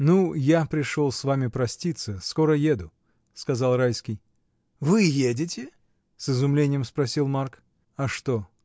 — Ну, я пришел с вами проститься — скоро еду! — сказал Райский. — Вы едете? — с изумлением спросил Марк. — А что?